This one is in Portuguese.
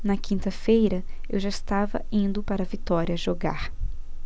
na quinta-feira eu já estava indo para vitória jogar